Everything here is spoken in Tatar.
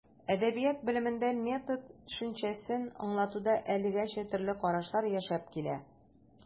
Әдәбият белемендә метод төшенчәсен аңлатуда әлегәчә төрле карашлар яшәп килә.